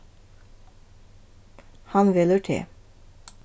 hann velur teg